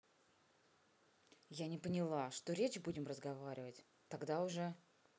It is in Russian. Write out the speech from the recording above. я не поняла что речь будем разговаривать тогда уже